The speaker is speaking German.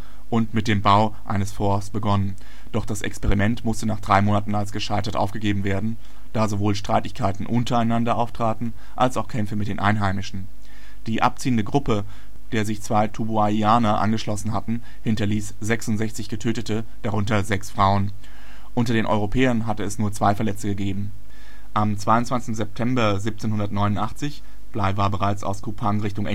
mit dem Bau eines Forts begonnen, doch das Experiment musste nach drei Monaten als gescheitert aufgegeben werden, da sowohl Streitigkeiten untereinander auftraten als auch Kämpfe mit den Einheimischen. Die abziehende Gruppe, der sich zwei Tubuaianer angeschlossen hatten, hinterließ 66 Getötete, darunter sechs Frauen. Unter den Europäern hatte es nur zwei Verletzte gegeben. Am 22. September 1789 – Bligh war bereits aus Kupang Richtung